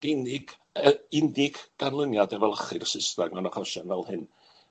Unig yy unig ganlyniad efelychu'r yy Sysnag mewn achosion fel hyn